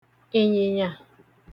ị̀nyị̀nyà